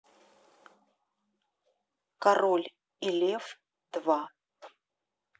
король и лев два